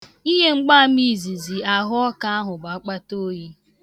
Ihe mgbaama izizi ahụọkụ ahụ akpataoyi.